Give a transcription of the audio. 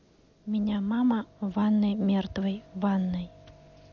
меня мама в ванной мертвой в ванной